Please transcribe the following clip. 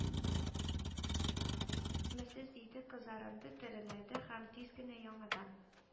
Месез» диде, кызарынды, тирләде һәм тиз генә яңадан